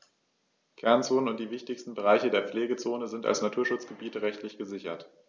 Kernzonen und die wichtigsten Bereiche der Pflegezone sind als Naturschutzgebiete rechtlich gesichert.